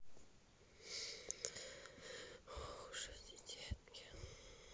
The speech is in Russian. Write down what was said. ох уж эти детки